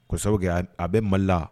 Kɔ kosɛbɛke a bɛ mali la